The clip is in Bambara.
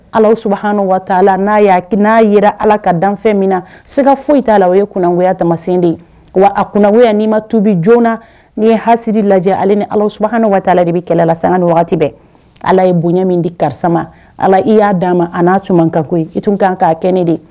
Ala su ha waala n'a y'aki n'a jira ala ka dan min na se ka foyi t'a la o ye kungoya tamasen de ye wa a kungoya n'i ma tubi joona n'i ye hasiri lajɛ ale ni ala su ni waala de bɛ kɛlɛla san ni waati bɛɛ ala ye bonya min di karisama ala i y'a d'a ma a n'a su ka koyi i tun kan kaa kɛ ne de